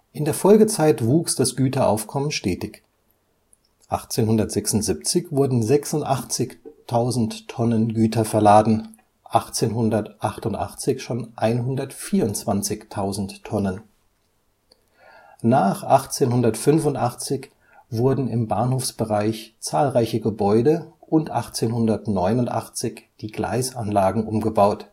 In der Folgezeit wuchs das Güteraufkommen stetig: 1876 wurden 86.000 Tonnen Güter verladen, 1888 schon 124.000 Tonnen. Nach 1885 wurden im Bahnhofsbereich zahlreiche Gebäude und 1889 die Gleisanlagen umgebaut